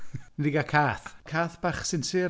Ni 'di cael cath, cath bach sinsir.